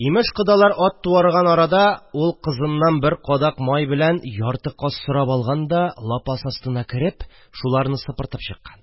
Имеш, кодалар ат туарган арада ул кызыннан бер кадак май белән ярты каз сорап алган да, лапас астына кереп шуларны сыпыртып чыккан